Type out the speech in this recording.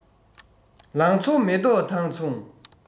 ལང ཚོ མེ ཏོག དང མཚུངས